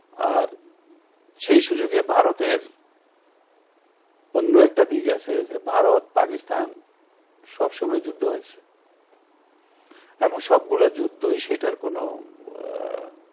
আর সেই সুযোগে ভারতের অন্য একটা দিক আছে যে ভারত পাকিস্তান সবসময় যুদ্ধ হয়েছে এবং সবগুলো যুদ্ধই সেটার কোন